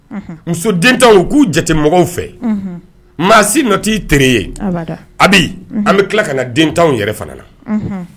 Muso den k'u jate mɔgɔw fɛ maasi tɛ i teri ye a an bɛ tila ka na dentanw yɛrɛ fana na